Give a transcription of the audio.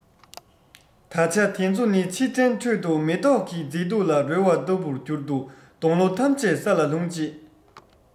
ད ཆ དེ ཚོ ནི ཕྱིར དྲན ཁྲོད དུ མེ ཏོག གི མཛེས སྡུག ལ རོལ བ ལྟ བུར གྱུར འདུག སྡོང ལོ ཐམས ཅད ས ལ ལྷུང རྗེས